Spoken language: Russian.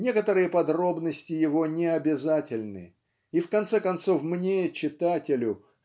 Некоторые подробности его необязательны и в конце концов мне читателю